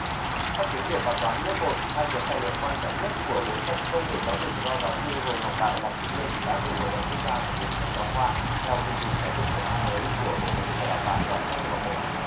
sách tiếng việt và toán lớp một hai cuốn tài liệu quan trọng nhất của bộ sách công nghệ giáo dục do giáo sư hồ ngọc đại làm chủ biên đã bị hội đồng quốc gia thẩm định sách giáo khoa theo chương trình giáo dục phổ thông mới của bộ giáo dục và đào tạo loại ngay từ vòng một